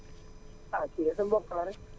ah kii di sa mbokk la rek